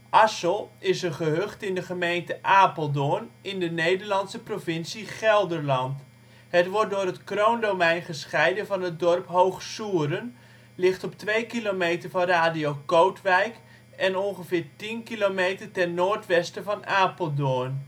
Assel is een gehucht in de gemeente Apeldoorn in de Nederlandse provincie Gelderland. Het wordt door het Kroondomein gescheiden van het dorp Hoog Soeren, ligt op 2 kilometer van Radio Kootwijk en ongeveer 10 kilometer ten noordwesten van Apeldoorn